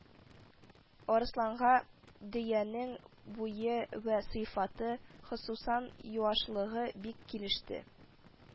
Арысланга Дөянең буе вә сыйфаты, хосусан юашлыгы бик килеште